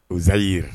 O zali ye